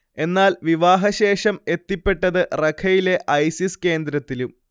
എന്നാൽ, വിവാഹശേഷം എത്തിപ്പെട്ടത് റഖയിലെ ഐസിസ് കേന്ദ്രത്തിലും